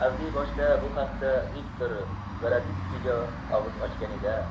avdiy boshda bu haqda viktor gorodetskiyga og'iz ochgan edi